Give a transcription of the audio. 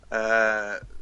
Yy.